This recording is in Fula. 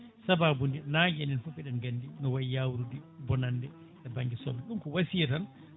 saababude nangue ne enen foof eɗen gandi no wayi yawrude bonande to banggue soble ɗum ko wasiya tan